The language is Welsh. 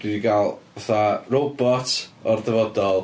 Dwi 'di gael fatha robot o'r dyfodol.